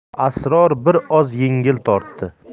asror bir oz yengil tortdi